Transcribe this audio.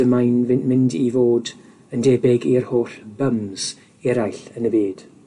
y mae'n fy- mynd i fod yn debyg i'r holl bums eraill yn y byd.